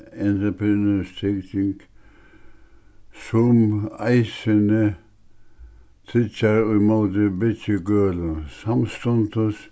entreprenørstrygging sum eisini tryggjar í móti byggigølu samstundis